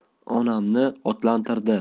onamni otlantirdi